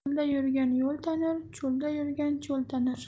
yo'lda yurgan yo'l tanir cho'lda yurgan cho'l tanir